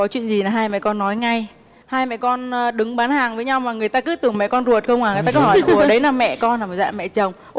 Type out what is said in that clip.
có chuyện gì là hai mẹ con nói ngay hai mẹ con đứng bán hàng với nhau mà người ta cứ tưởng mẹ con ruột không à người ta cứ hỏi của đấy là mẹ con à dạ mẹ chồng